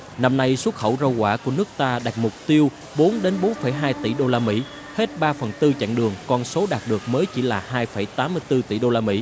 năm nay xuất khẩu rau quả của nước ta đặt mục tiêu bốn đến bốn phẩy hai tỷ đô la mỹ hết ba phần tư chặng đường con số đạt được mới chỉ là hai phẩy tám mươi tư tỉ đô la mỹ